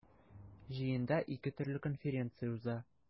Җыенда ике төрле конференция уза.